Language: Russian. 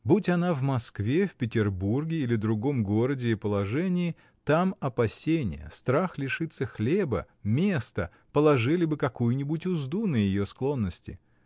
Будь она в Москве, в Петербурге или другом городе и положении, — там опасение, страх лишиться хлеба, места положили бы какую-нибудь узду на ее склонности.